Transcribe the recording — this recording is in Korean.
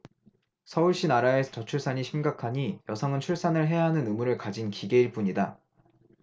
서울시나라의 저출산이 심각하니 여성은 출산을 해야 하는 의무를 가진 기계일 뿐이다